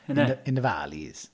Innit... In the valleys.